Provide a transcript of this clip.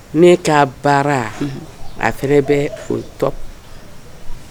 Ne k'a baara a fɛ bɛ o